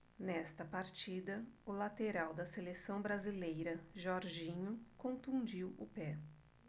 nesta partida o lateral da seleção brasileira jorginho contundiu o pé